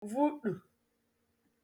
vuṭù